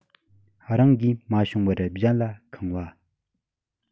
རང གིས མ བྱུང བར གཞན ལ འཁང བ